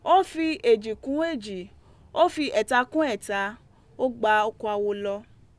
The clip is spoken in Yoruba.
ó fi eéjì kún eéjì, ó fi ẹẹ́ta kún ẹẹ̀ta, ó gba oko aláwo lọ.